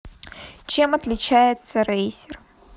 чем отличается racer